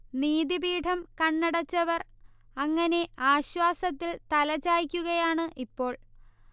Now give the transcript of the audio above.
നീതി പീഠം കണ്ണടച്ചവർ അങ്ങനെ ആശ്വാസത്തിൽ തലചായ്ക്കുകയാണ് ഇപ്പോൾ